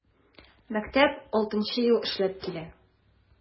Мәктәп 6 нчы ел эшләп килә.